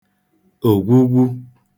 ògwugwu